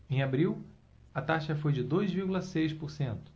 em abril a taxa foi de dois vírgula seis por cento